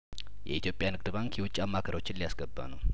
የኢትዮጵያ ንግድ ባንክ የውጪ አማካሪዎችን ሊያስገባ ነው